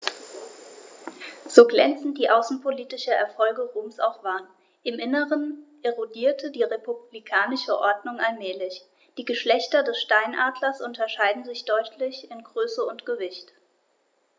So glänzend die außenpolitischen Erfolge Roms auch waren: Im Inneren erodierte die republikanische Ordnung allmählich. Die Geschlechter des Steinadlers unterscheiden sich deutlich in Größe und Gewicht.